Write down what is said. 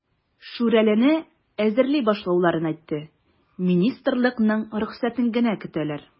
"шүрәле"не әзерли башлауларын әйтте, министрлыкның рөхсәтен генә көтәләр.